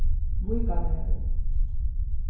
víkavegur